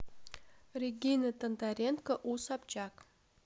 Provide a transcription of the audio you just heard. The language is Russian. регина тодоренко у собчак